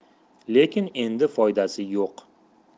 lekin endi foydasi yo'q